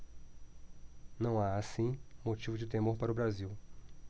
não há assim motivo de temor para o brasil